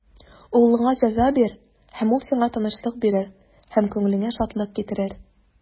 Углыңа җәза бир, һәм ул сиңа тынычлык бирер, һәм күңелеңә шатлык китерер.